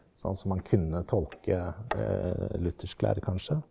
sånn som man kunne tolke luthersk lære kanskje.